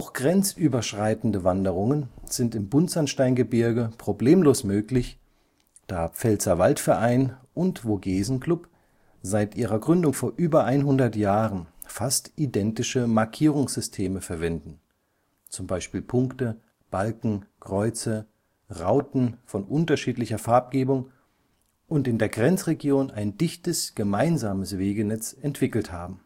grenzüberschreitende Wanderungen sind im Buntsandsteingebirge problemlos möglich, da Pfälzerwaldverein und Vogesenclub (franz. „ Club Vosgien “) seit ihrer Gründung vor über 100 Jahren fast identische Markierungssysteme verwenden (z. B. Punkte, Balken, Kreuze, Rauten von unterschiedlicher Farbgebung) und in der Grenzregion ein dichtes gemeinsames Wegenetz entwickelt haben